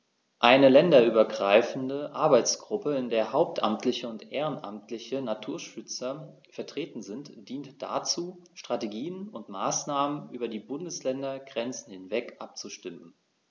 Eine länderübergreifende Arbeitsgruppe, in der hauptamtliche und ehrenamtliche Naturschützer vertreten sind, dient dazu, Strategien und Maßnahmen über die Bundesländergrenzen hinweg abzustimmen.